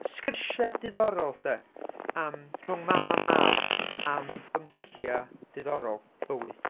Sgyrsiau diddorol, de am... rhwng mam a mab, am bynciau diddorol bywyd.